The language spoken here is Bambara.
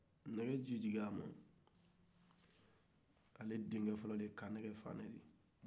nɛgɛ ji jiginna a min kan ale dencɛ fɔlɔ de ye kanɛgɛ fane ye